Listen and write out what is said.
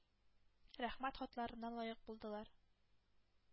Рәхмәт хатларына лаек булдылыр.